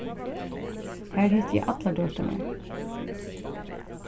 har hitti eg allar døturnar